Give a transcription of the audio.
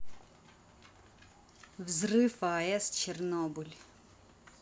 взрыв аэс чернобыль